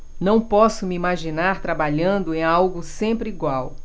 não posso me imaginar trabalhando em algo sempre igual